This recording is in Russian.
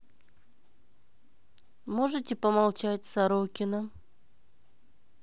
можете помолчать сорокина